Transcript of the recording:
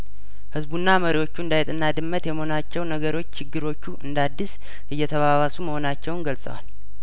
ህዝቡና መሪዎቹ እንደአይጥና ድመት የመሆናቸውን ነገሮች ችግሮቹ እንደአዲስ እየተባባሱ መሆናቸውን ገልጸዋል